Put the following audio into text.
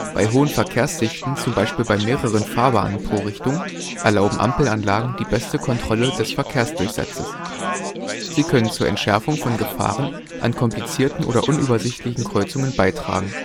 Bei hohen Verkehrsdichten, z. B. bei mehreren Fahrbahnen pro Richtung, erlauben Ampelanlagen die beste Kontrolle des Verkehrsdurchsatzes. Sie können zur Entschärfung von Gefahren an komplizierten oder unübersichtlichen Kreuzungen beitragen